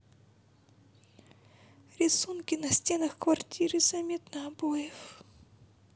рисунки на стенах квартиры заместо обоев